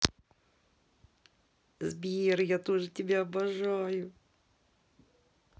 сбер я тоже тебя обожаю